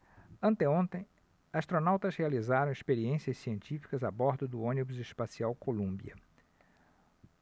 anteontem astronautas realizaram experiências científicas a bordo do ônibus espacial columbia